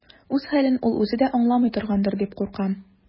Үз хәлен ул үзе дә аңламый торгандыр дип куркам.